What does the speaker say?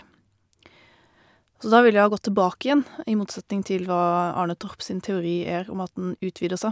Så da vil det jo ha gått tilbake igjen, i motsetning til hva Arne Torp sin teori er, om at den utvider seg.